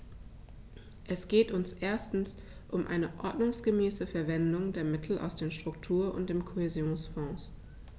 Es geht uns erstens um eine ordnungsgemäße Verwendung der Mittel aus den Struktur- und dem Kohäsionsfonds.